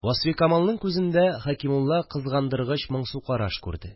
Васфикамалның күзендә Хәкимулла кызгандыргыч моңсу караш күрде